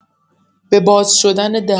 به باز شدن در